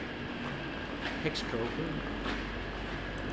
heygskrókur